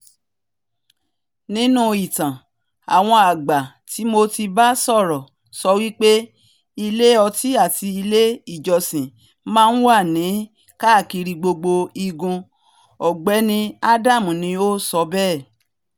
'Nínu ìtàn, àwọn àgbà tí mo ti bá sọ̀rọ̀ sọwípé́ ilé ọtí àti ilé ìjọsìn ma nwà ní káàkiri gbogbo igun,'' Ògbẹ́ni Adam ni o so bèẹ́.